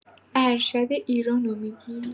ارشد ایرانو می‌گی؟